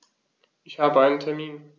Ich habe einen Termin.